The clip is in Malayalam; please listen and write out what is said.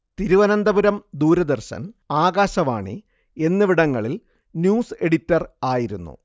തിരുവനന്തപുരം ദൂരദർശൻ ആകാശവാണി എന്നിവിടങ്ങളിൽ ന്യൂസ് എഡിറ്റർ ആയിരുന്നു